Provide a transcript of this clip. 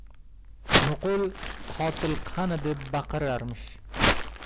nuqul qotil qani deb baqirarmish